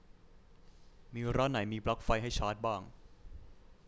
มีร้านไหนมีปลั๊กไฟให้ชาร์จบ้าง